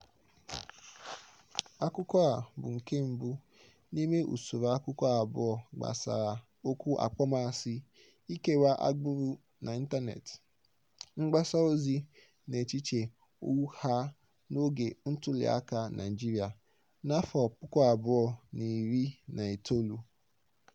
Akụkọ a bụ nke mbụ n'ime usoro akụkọ abụọ gbasara okwu akpọmasị ịkewa agbụrụ n'ịntaneetị, mgbasaozi na echiche ụgha n'oge ntuliaka Naịjirịa n'afọ puku abụọ na iri na itoolu.